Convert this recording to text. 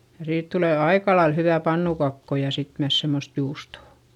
ja siitä tulee aika lailla hyvää pannukakkua ja sitten myös semmoista juustoa